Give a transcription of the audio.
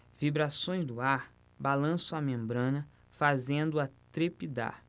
vibrações do ar balançam a membrana fazendo-a trepidar